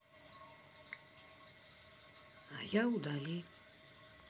а я удали